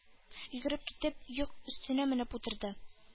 Йөгереп килеп, йөк өстенә менеп утырды.